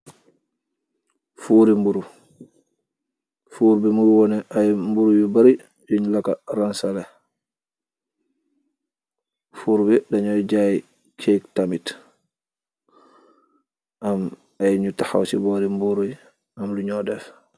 Fuuri mburu fuur bi mogi woone ay mburu yu bari yun laka ransale fuur bi danuy jaay cake tamit am ay nu taxaw ci boori mbuuru yi am lu noo def.